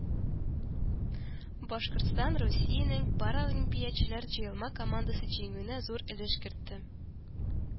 Башкортстан Русиянең паралимпиячеләр җыелма командасы җиңүенә зур өлеш кертте